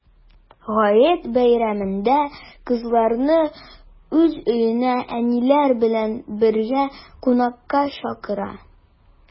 Гает бәйрәмендә кызларны уз өенә әниләре белән бергә кунакка чакыра.